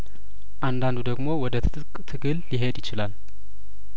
አንዳንዱ ደግሞ ወደ ትጥቅ ትግል ሊሄድ ይችላል